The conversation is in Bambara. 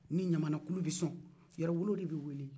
ni ɲamanakulu bɛ sɔn yɛrɛwolow de bɛ wele